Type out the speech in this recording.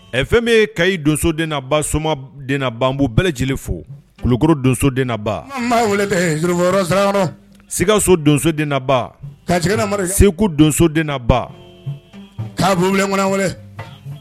Ɛ fɛn bɛ ka i donso den naba somad na banbu bɛɛ lajɛlenele fo kulukuru donso di naba wele tɛ sikaso donso di naba katigɛnamari segu donso di naba k'a wele wele